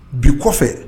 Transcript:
Bi kɔfɛ